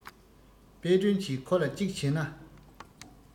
དཔལ སྒྲོན གྱིས ཁོ ལ གཅིག བྱས ན